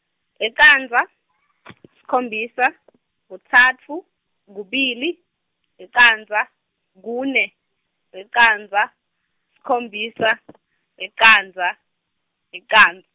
e candza , sikhombisa , kutsatfu, kubili, licandza, kune, licandza, sikhombisa, licandza, lican-.